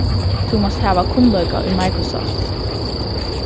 tú mást hava kunnleika í microsoft